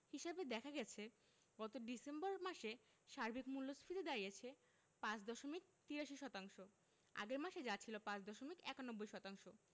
হিসাবে দেখা গেছে গত ডিসেম্বর মাসে সার্বিক মূল্যস্ফীতি দাঁড়িয়েছে ৫ দশমিক ৮৩ শতাংশ আগের মাসে যা ছিল ৫ দশমিক ৯১ শতাংশ